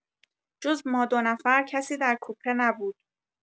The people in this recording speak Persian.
جز ما دو نفر کسی در کوپه نبود.